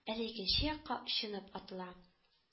Әле икенче якка очынып атыла